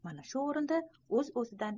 mana shu o'rinda o'z o'zidan